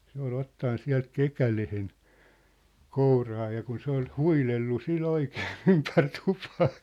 se oli ottanut sieltä kekäleen kouraan ja kun se oli huidellut sillä oikein ympäri tupaa